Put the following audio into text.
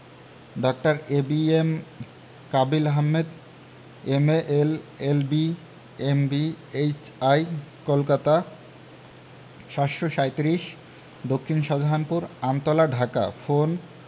ডাঃ A B M Kabil Ahmed M A L L B M B H I Kolkata ৭৩৭ দক্ষিন Shahjahanpur Amtala Dhaka phone